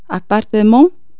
ابارتمون